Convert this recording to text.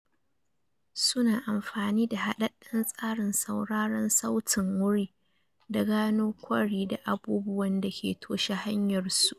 Su na amfani da haddaden tsarin sauraren sautin wuri da gano kwari da abubuwan dake toshe hanyar su.